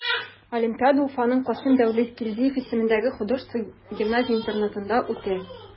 Олимпиада Уфаның Касыйм Дәүләткилдиев исемендәге художество гимназия-интернатында үтә.